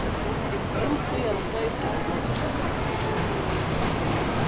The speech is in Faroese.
bint síðan sloyfuna um hálsin